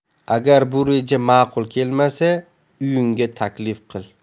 agar bu reja ma'qul kelmasa uyingga taklif qil